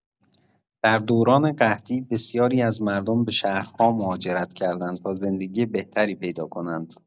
در دوران قحطی، بسیاری از مردم به شهرها مهاجرت کردند تا زندگی بهتری پیدا کنند.